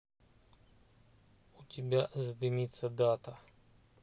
у тебя задымится дата